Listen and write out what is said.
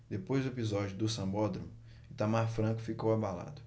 depois do episódio do sambódromo itamar franco ficou abalado